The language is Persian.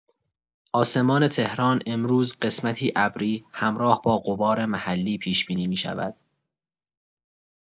آسمان تهران امروز قسمتی ابری همراه با غبار محلی پیش‌بینی می‌شود.